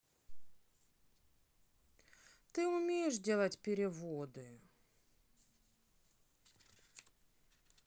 ты умеешь делать переводы